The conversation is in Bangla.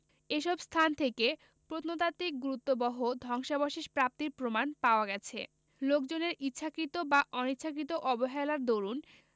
এসব স্থান থেকে প্রত্নতাত্ত্বিক গুরুত্ববহ ধ্বংসাবশেষ প্রাপ্তির প্রমাণ পাওয়া গেছে লোকজনের ইচ্ছাকৃত বা অনিচ্ছাকৃত অবহেলার দরুণ